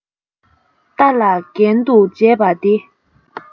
རྟ ལ རྒྱན དུ བྱས པ དེ